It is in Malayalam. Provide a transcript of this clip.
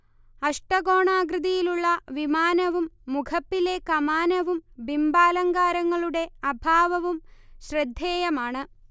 അഷ്ടകോണാകൃതിയിലുള്ള വിമാനവും മുഖപ്പിലെ കമാനവും ബിംബാലങ്കാരങ്ങളുടെ അഭാവവും ശ്രദ്ധേയമാണ്